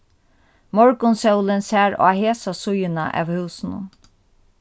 morgunsólin sær á hesa síðuna av húsinum